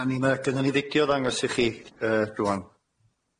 Dan ni ma' gyn ni fidio ddangos i chi y- rŵan.